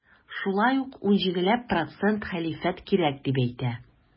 Шулай ук 17 ләп процент хәлифәт кирәк дип әйтә.